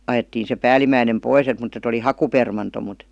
ajettiin se päällimmäinen pois että mutta että oli hakupermanto mutta